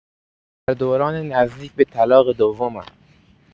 در دوران نزدیک به طلاق دومم